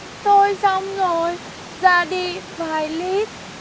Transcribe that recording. thôi xong rồi ra đi vài lít